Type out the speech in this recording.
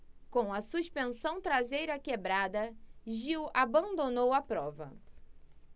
com a suspensão traseira quebrada gil abandonou a prova